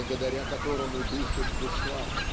благодаря которому дышит душа